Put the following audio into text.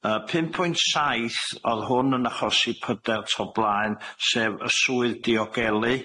Yy pum pwynt saith odd hwn yn achosi pydel to blaen sef y swydd diogelu.